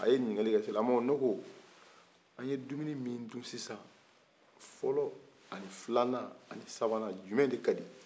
a ye ɲinikali kɛ silamɛw ne ko an ye dumuni min dun sisan fɔlɔ filanan ani sabanan jumɛn de kadi